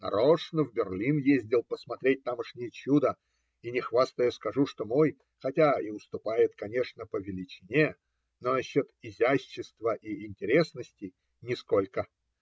Нарочно в Берлин ездил посмотреть тамошнее чудо и, не хвастая, скажу, что мой хотя и уступает, конечно, в величине, но насчет изящества и интересности нисколько.